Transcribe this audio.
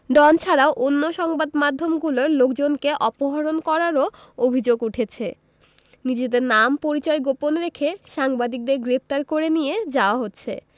ডন ছাড়াও অন্য সংবাদ মাধ্যমগুলোর লোকজনকে অপহরণ করারও অভিযোগ উঠেছে নিজেদের নাম পরিচয় গোপন রেখে সাংবাদিকদের গ্রেপ্তার করে নিয়ে যাওয়া হচ্ছে